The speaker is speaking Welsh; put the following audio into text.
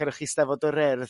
cerwch i 'steddfod yr Ur'